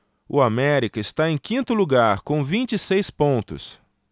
o américa está em quinto lugar com vinte e seis pontos